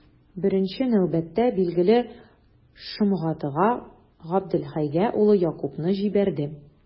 Беренче нәүбәттә, билгеле, Шомгатыга, Габделхәйгә улы Якубны җибәрде.